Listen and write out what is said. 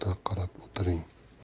yo'g'ida qarab o'tiring